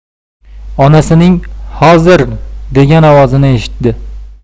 onasining hozir degan ovozini eshitdi